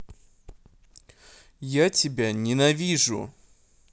я тебя ненавижу